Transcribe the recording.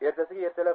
ertasiga ertalab